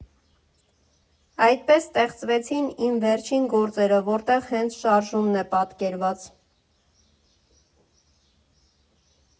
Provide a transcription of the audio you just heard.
Այդպես ստեղծվեցին իմ վերջին գործերը, որտեղ հենց շարժումն է պատկերված։